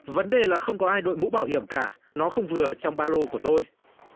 vấn đề là không có ai đội mũ bảo hiểm cả nó không vừa trong ba lô của tôi